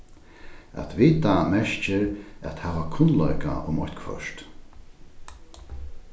at vita merkir at hava kunnleika um eitthvørt